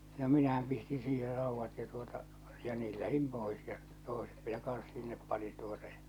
no minähän pistin siihen raudat ja tuota ja niin lähdin pois ja toiset minä kanssa sinne panin tuota ja